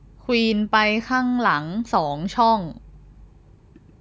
ควีนไปข้างหลังสองช่อง